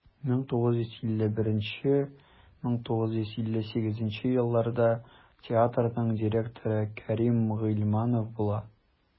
1951-1958 елларда театрның директоры кәрим гыйльманов була.